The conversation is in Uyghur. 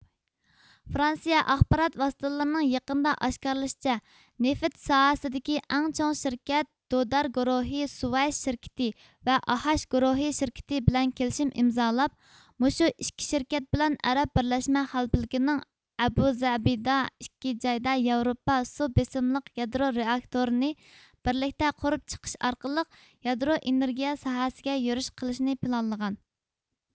فرانسىيە ئاخبارات ۋاستىلىرىنىڭ يېقىندا ئاشكارلىشىچە نېفىت ساھەسىدىكى ئەڭ چوڭ شىركەت دودار گۇرۇھى سۈۋەيش شىركىتى ۋە ئاھاچ گۇرۇھى شىركىتى بىلەن كېلىشىم ئىمزالاپ مۇشۇ ئىككى شىركەت بىلەن ئەرەپ بىرلەشمە خەلىپىلىكىنىڭ ئەبۇزەبىدا ئىككى جايدا ياۋروپا سۇ بېسىملىق يادرو رېئاكتورىنى بىرلىكتە قۇرۇپ چىقىش ئارقىلىق يادرو ئېنېرگىيە ساھەسىگە يۈرۈش قىلىشنى پىلانلىغان